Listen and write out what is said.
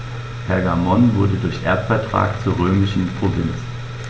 Pergamon wurde durch Erbvertrag zur römischen Provinz.